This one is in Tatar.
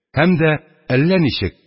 Һәм дә, әллә ничек,